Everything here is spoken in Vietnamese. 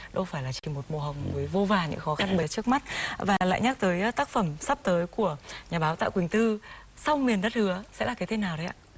đâu phải là chỉ một màu hồng với vô vàn những khó khăn về trước mắt và lại nhắc tới tác phẩm sắp tới của nhà báo tạ quỳnh tư song miền đất hứa sẽ là cái tên nào đây ạ